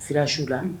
Sira su la n'hun